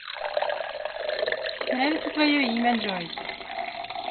нравится твое имя джой